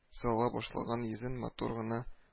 Сала башлаган йөзенә матур гына